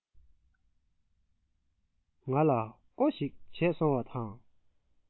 ང ལ འོ ཞིག བྱས སོང བ དང